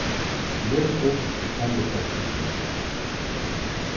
les upp teldupostin